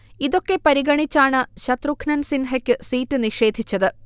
ഇതൊക്കെ പരിഗണിച്ചാണ് ശത്രുഘ്നൻ സിൻഹയ്ക്ക് സീറ്റ് നിഷേധിച്ചത്